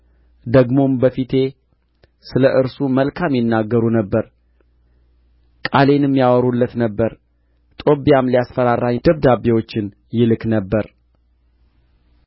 ደግሞም በፊቴ ስለ እርሱ መልካም ይናገሩ ነበር ቃሌንም ያወሩለት ነበር ጦብያም ሊያስፈራራኝ ደብዳቤዎችን ይልክ ነበር